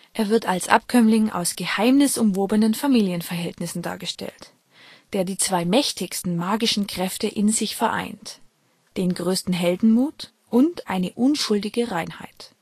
Er wird als Abkömmling aus geheimnisumwobenen Familienverhältnissen dargestellt, der die zwei mächtigsten magischen Kräfte in sich vereint: Den größten Heldenmut und eine unschuldige Reinheit